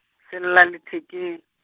se lla lethekeng.